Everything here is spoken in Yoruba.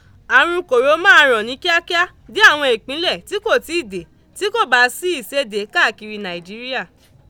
Àrùn kòró máa ranni kíákíá dé àwọn ìpínlẹ̀ tí kò tíì dé tí kò bá sí ìséde káàkiri Nàìjíríà.